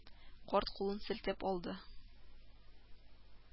Карт кулын селтәп алды